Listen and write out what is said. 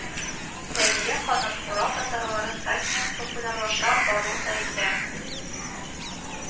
Фәвия ханым Урал татарлары сайтының популярлаша баруын да әйтә